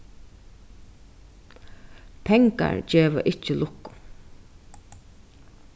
pengar geva ikki lukku